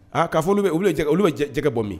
Aaa k'a fɔ olu olu olu bɛ jɛgɛgɛ bɔ min